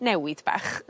Newid bach